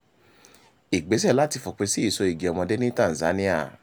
Ìgbésẹ̀ láti fòpin sí ìsoyìgì ọmọdé ní Tanzania